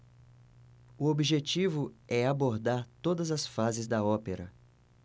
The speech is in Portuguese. o objetivo é abordar todas as fases da ópera